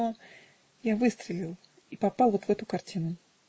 но -- я выстрелил, и попал вот в эту картину.